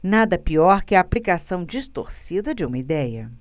nada pior que a aplicação distorcida de uma idéia